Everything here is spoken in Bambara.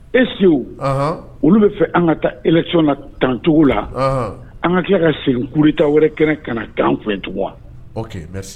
E olu bɛ fɛ an ka taa ec na tancogo la an ka tila ka segin kuruta wɛrɛ kɛnɛ ka na kan f tugun